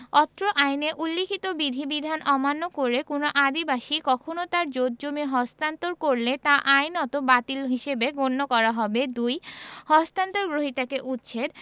অত্র আইনে উল্লিখিত বিধিবিধান অমান্য করে কোন আদিবাসী কখনো তার জোতজমি হস্তান্তর করলে তা আইনত বাতিল হিসেবে গণ্য করা হবে ২ হস্তান্তর গ্রহীতাকে উচ্ছেদ